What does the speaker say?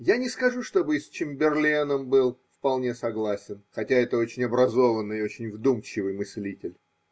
Я не скажу, чтобы и с Чемберленом был вполне согласен, хотя это очень образованный и очень вдумчивый мыслитель.